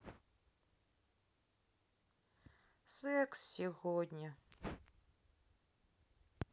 секс сегодня